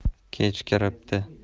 kech kiribdi